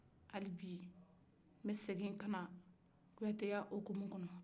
halibi n bɛ segin ka na kuyate ya hukumu kɔnɔ